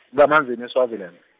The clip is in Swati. kaManzini e- Swaziland.